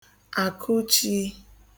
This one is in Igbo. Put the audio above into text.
Àkụchī